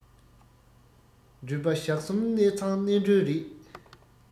འགྲུལ པ ཞག གསུམ གནས ཚང གནས མགྲོན རེད